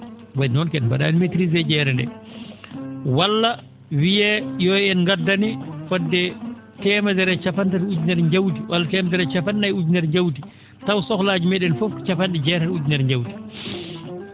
wa?i noon ko en mba?aani maitrisé jeere nde walla wiyee yo en ngaddane fodde teemedere cappan?e tati ujunere njawdi walla teemedere e cappan nayi ujunere njawdi taw sohlaaji mee?en fof ko cappan?e jeetati ujunere njawdi